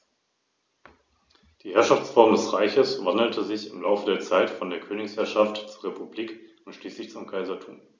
Das Fell der Igel ist meist in unauffälligen Braun- oder Grautönen gehalten.